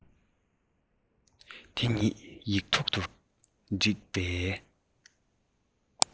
དེ ཉིད ཡིག ཐོག ཏུ བསྒྲིགས པའི